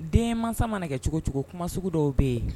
Denman mana kɛ cogo cogo sugu dɔw bɛ yen